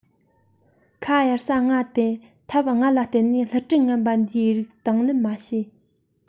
ཁ གཡར ས ལྔ སྟེ ཐབས ལྔ ལ བརྟེན ནས བསླུ བྲིད ངན པ འདིའི རིགས དང ལེན མ བྱས